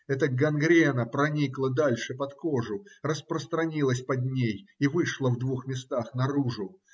Это гангрена проникла дальше под кожу, распространилась под ней и вышла в двух местах наружу.